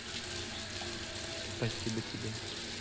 спасибо тебе